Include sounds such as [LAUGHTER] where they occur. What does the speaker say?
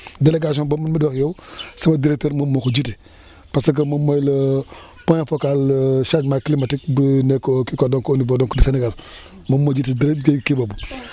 délégation boobu man mii di wax ak yow [BREATH] sama directeur moom moo ko jiite parce que moom mooy le point focal [HESITATION] changement climatique bi nekk au kii quoi au niveau donc du Sénégal [BREATH] moom moo jiite [HESITATION] kii boobu [BREATH]